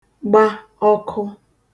gba ọkụ